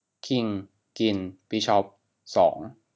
คิงกินบิชอปสอง